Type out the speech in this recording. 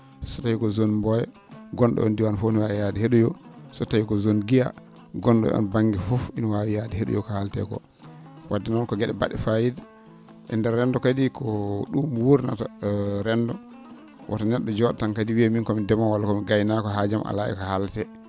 so tawii ko zone Mboya gon?o on diiwaan ne waawi yahde he?oyo so tawii ko zone Guiya gon?o e oon ba?nge fof ina waawi yahde he?oyo ko haaletee koo wadde noon ko ge?e ba??e fayiida e ndeer renndo kadi ko ?um wurnata renndo woto ne??o joo?o tan kadi wiya miin ko mi ndemoowo walla ko mi gaynaako haaju am alaa e ko haaletee